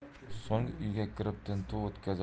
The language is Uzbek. so'ng uyga kirib tintuv